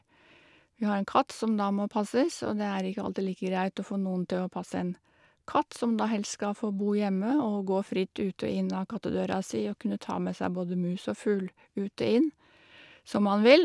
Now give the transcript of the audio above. Vi har en katt som da må passes, og det er ikke alltid like greit å få noen til å passe en katt som da helst skal få bo hjemme og gå fritt ut og inn av kattedøra si og kunne ta med seg både mus og fugl ut og inn som han vil.